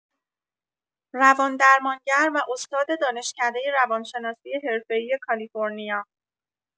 روان‌درمانگر و استاد دانشکدۀ روان‌شناسی حرفه‌ای کالیفرنیا